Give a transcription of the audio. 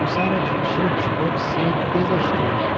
usar aditivos pode ser desastroso